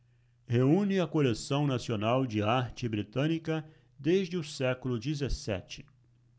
reúne a coleção nacional de arte britânica desde o século dezessete